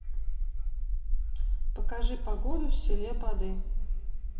покажи погоду в селе поды